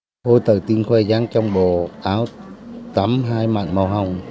cô tự tin khoe dáng trong bộ áo tắm hai mảnh màu hồng